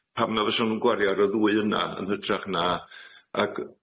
Pam na fysa nw'n gwario ar y ddwy yna yn hytrach na- ag